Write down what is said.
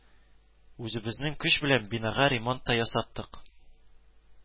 Үзебезнең көч белән бинага ремонт та ясаттык